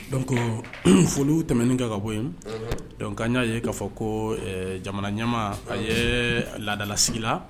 Don kofolo tɛmɛnen kɛ ka bɔ yen dɔnku ka y'a ye'a fɔ ko jamana ɲama a ye laadadalasigi la